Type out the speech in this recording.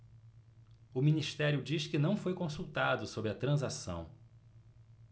o ministério diz que não foi consultado sobre a transação